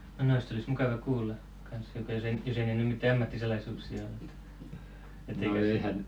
no noista olisi mukava kuulla kanssa hiukan jos ei ne nyt mitään ammattisalaisuuksia ole että että ei kai se